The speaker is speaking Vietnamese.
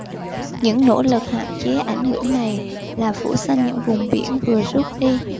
những nỗ lực hạn chế ảnh hưởng này là phủ xanh những vùng biển vừa rút đi